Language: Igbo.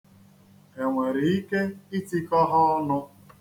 E nwere ike itikọ ha ọnụ?